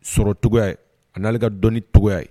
Sɔrɔtogoya ye an'ale ka dɔni togoya ye